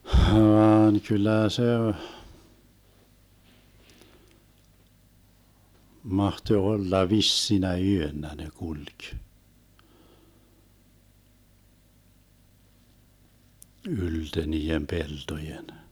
vaan kyllä se mahtoi olla vissinä yönä ne kulki ylte niiden peltojen